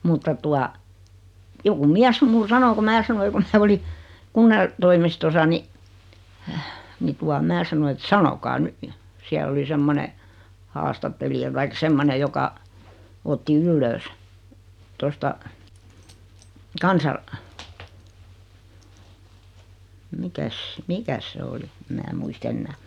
mutta tuota joku mies sen minulle sanoi kun minä sanoin kun se oli - kunnantoimistossa niin niin tuota minä sanoin että sanokaa nyt siellä oli semmoinen haastattelija tai semmoinen joka otti ylös tuosta - mikäs mikäs se oli en minä muista enää